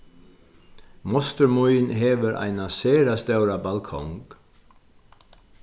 mostir mín hevur eina sera stóra balkong